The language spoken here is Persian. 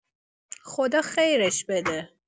خدا خیرش بده